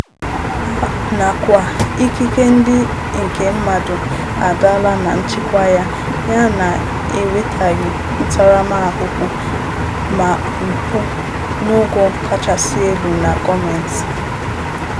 Na kwa, ikike ndị nke mmadụ adaala na nchịkwa ya, ya na enwetaghị ntaramahụhụ ma mpụ n'ogo kachasị elu na gọọmentị.